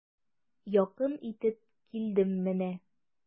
Якын итеп килдем менә.